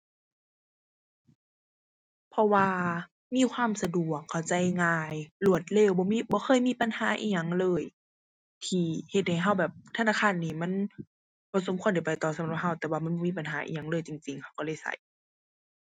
เพราะว่ามีความสะดวก เข้าใจง่าย รวดเร็ว บ่มี บ่เคยมีปัญหาอิหยังเลยที่เฮ็ดให้เราแบบธนาคารนี้มันบ่สมควรได้ไปต่อสำหรับเรา แต่ว่ามันบ่มีปัญหาอิหยังเลยจริงจริง เราเราเลยเรา